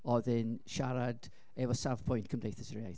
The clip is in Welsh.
Oedd, odd e'n siarad efo safbwynt Cymdeithas yr Iaith.